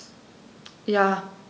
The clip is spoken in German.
Ja.